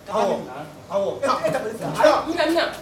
Ɔnhɔn ɔnhɔn